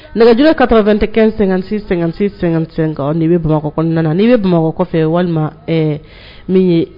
Nɛgɛjuru ye 95 56 56 55 n'i bɛ Bamakɔ kɔnɔna na n'i bɛ Bamakɔ kɔfɛ walima min ye